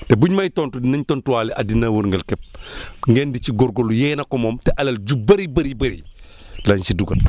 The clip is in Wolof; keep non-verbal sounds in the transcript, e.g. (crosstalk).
te buñ may tontu dinañ tontuwaale àddina wërngal képp (breath) ngeen di ci góorgóorlu yeen a ko moom te alal ju bëri bëri bëri (breath) lañ si dugal